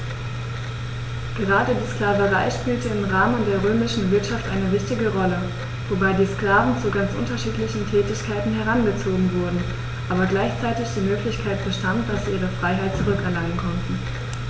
Gerade die Sklaverei spielte im Rahmen der römischen Wirtschaft eine wichtige Rolle, wobei die Sklaven zu ganz unterschiedlichen Tätigkeiten herangezogen wurden, aber gleichzeitig die Möglichkeit bestand, dass sie ihre Freiheit zurück erlangen konnten.